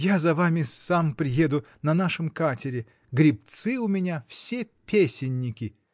Я за вами сам приеду на нашем катере. Гребцы у меня все песенники.